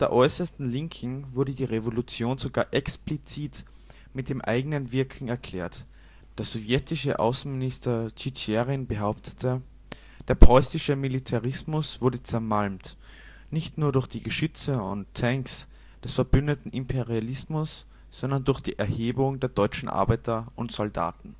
äußersten Linken wurde die Revolution sogar explizit mit dem eigenen Wirken erklärt. Der sowjetische Außenminister Tschitscherin behauptete: Der preußische Militarismus wurde zermalmt nicht durch die Geschütze und Tanks des verbündeten Imperialismus, sondern durch die Erhebung der deutschen Arbeiter und Soldaten